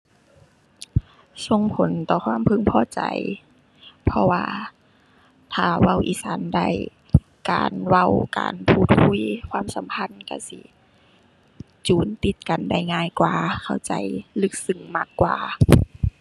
ส่งผลต่อความพึงพอใจ เพราะว่า ถ้าเว้าอีสานได้ การเว้าการพูดคุย ความสัมพันธ์ก็สิจูนติดกันได้ง่ายกว่าเข้าใจลึกซึ้งมากกว่า